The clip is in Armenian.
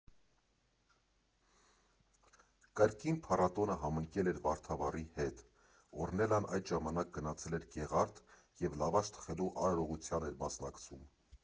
Կրկին փառատոնը համընկել էր Վարդավառի հետ, Օռնելան այդ ժամանակ գնացել էր Գեղարդ և լավաշ թխելու արարողության էր մասնակցում։